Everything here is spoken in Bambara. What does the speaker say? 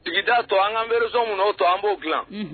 Tigida tɔ an ka bererison kɔnɔ'o tɔ an b'o dilan